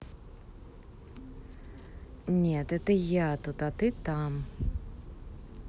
нет это я тут а ты там